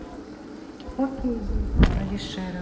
окей google алишера